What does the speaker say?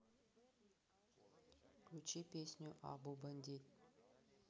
включи песню абу бандит